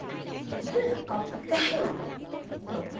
đúng là con với cái mà đồ